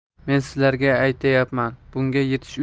men sizlarga aytyapman bunga yetish